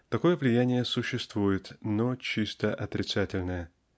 Такое влияние существует, но чисто отрицательное.